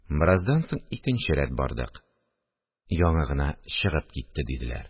Бераздан соң икенче рәт бардык: – Яңа гына чыгып китте, – диделәр